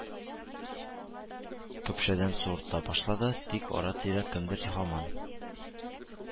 Көпшәдән суырта башлады, тик ара-тирә кемдер һаман